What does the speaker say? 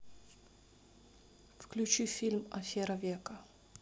включи фильм афера века